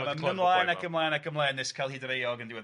...ma'n mynd ymlaen ac ymlaen ac ymlaen nes ca'l hyd i'r eog yn diwedd.